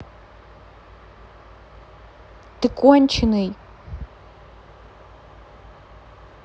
ты конченный